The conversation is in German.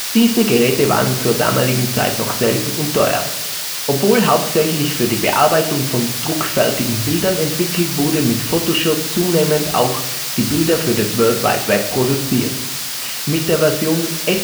Diese Geräte waren zur damaligen Zeit noch selten und teuer. Obwohl hauptsächlich für die Bearbeitung von druckfertigen Bildern entwickelt, wurden mit Photoshop zunehmend auch Bilder für das World Wide Web produziert. Mit der Version S5.5